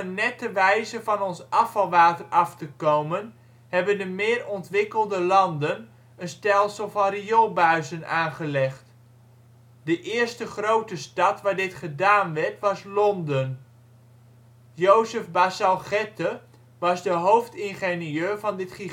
nette wijze van ons afvalwater af te komen hebben de meer ontwikkelde landen een stelsel van rioolbuizen aangelegd. De eerste grote stad waar dit gedaan werd was Londen. Joseph Bazalgette was de hoofdingenieur van dit